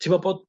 ti' me'wl bod